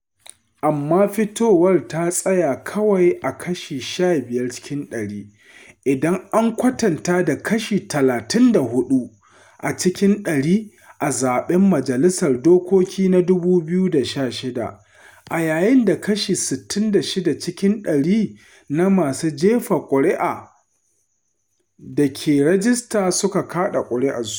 Amma, fitowar ta tsaya kawai a kashi 15 cikin ɗari, idan an kwatanta da kashi 34 a cikin ɗari a zaɓen majalisar dokoki na 2016 a yayin da kashi 66 cikin ɗari na masu jefa kuri’a da ke rijista suka kaɗa kuri’arsu.